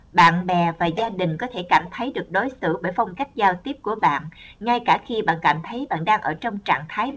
bạn bè và gia đình có thể cảm thấy được đối xử bởi phong cách giao tiếp của bạn ngay cả khi bạn cảm thấy bạn đang ở trong trạng thái bình tĩnh